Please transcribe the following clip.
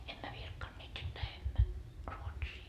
emme virkkaneet jotta lähdemme Ruotsiin